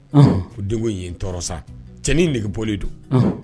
O den in ye tɔɔrɔ sa cɛnin nege bolilen don